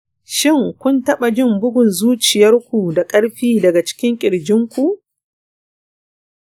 shin, kun taɓa jin bugun zuciyar ku da ƙarfi daga cikin kirji ku?